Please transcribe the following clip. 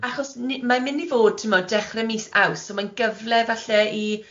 achos ni- mae'n mynd i fod timod dechrau mis Awst, so mae'n gyfle falle i